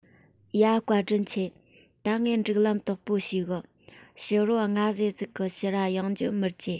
ཡ བཀའ དྲིན ཆེ ད ངས སྒྲིག ལམ དག པོ ཤེས གི ཕྱི རོ སྔ སེ ཟིག གི ཕྱིར ར ཡོང རྒྱུའོ མི བརྗེད